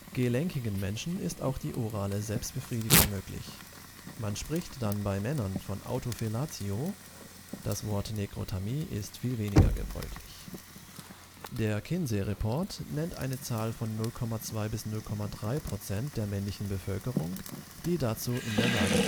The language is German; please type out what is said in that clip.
Gelenkigen Menschen ist auch die orale Selbstbefriedigung möglich; man spricht dann bei Männern von Autofellatio (das Wort Nekrotamie ist viel weniger gebräuchlich). Der Kinsey-Report nennt eine Zahl von 0,2 bis 0,3 % der männlichen Bevölkerung, die dazu in der Lage